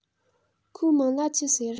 ཁོའི མིང ལ ཅི ཟེར